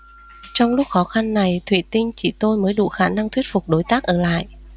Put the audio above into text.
trong lúc khó khăn này thụy tin chỉ tôi mới đủ khả năng thuyết phục đối tác ở lại